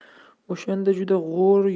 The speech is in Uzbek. o'shanda juda g'o'r